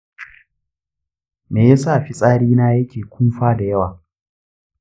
me yasa fitsari na yake kunfa da yawa?